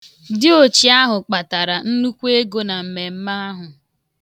Diochi ahụ kpatara nnukwu ego na mmemme ahụ.